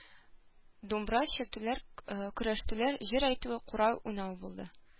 Думбра чиртүләр, көрәштерү, җыр әйтү, курай уйнау булды.